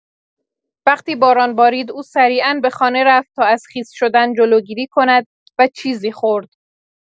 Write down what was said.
وقتی باران بارید، او سریعا به خانه رفت تا از خیس شدن جلوگیری کند و چیزی خورد.